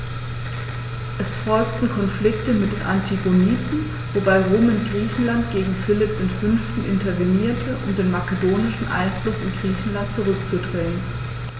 Es folgten Konflikte mit den Antigoniden, wobei Rom in Griechenland gegen Philipp V. intervenierte, um den makedonischen Einfluss in Griechenland zurückzudrängen.